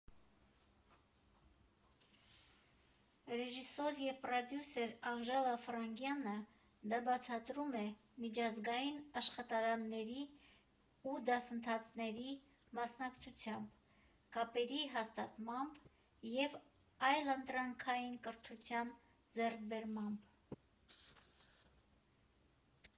Ռեժիսոր և պրոդյուսեր Անժելա Ֆրանգյանը դա բացատրում է միջազգային աշխատարանների ու դասընթացների մասնակցությամբ, կապերի հաստատմամբ և այլընտրանքային կրթության ձեռքբերմամբ։